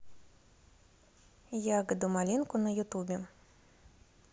ягоду малинку на ютубе